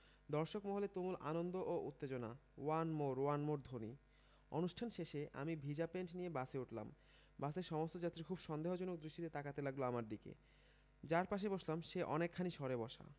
দর্শক মহলে তুমুল আনন্দ ও উত্তেজনাওয়ান মোর ওয়ান মোর ধ্বনি অনুষ্ঠান শেষে আমি ভিজা প্যান্ট নিয়ে বাসে উঠলাম বাসের সমস্ত যাত্রী খুব সন্দেহজনক দৃষ্টিতে তাকাতে লাগলো আমার দিকে যার পাশে বসলাম সে অনেকখানি সরে বসা